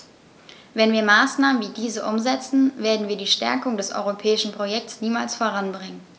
Wenn wir Maßnahmen wie diese umsetzen, werden wir die Stärkung des europäischen Projekts niemals voranbringen.